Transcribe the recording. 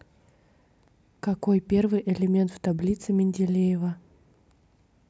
какой первый элемент в таблице менделеева